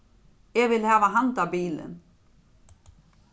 eg vil hava handa bilin